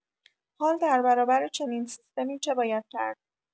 حال در برابر چنین سیستمی چه باید کرد!؟